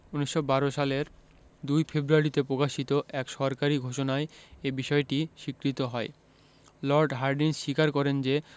১৯১২ সালের ২ ফেব্রুয়ারিতে প্রকাশিত এক সরকারি ঘোষণায় এ বিষয়টি স্বীকৃত হয় লর্ড হার্ডিঞ্জ স্বীকার করেন যে